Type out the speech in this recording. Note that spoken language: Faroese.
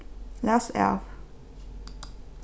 læs av